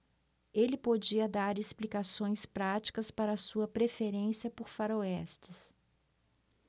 ele podia dar explicações práticas para sua preferência por faroestes